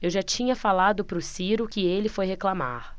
eu já tinha falado pro ciro que ele foi reclamar